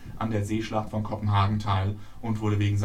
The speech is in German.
an der Seeschlacht von Kopenhagen teil, wurde wegen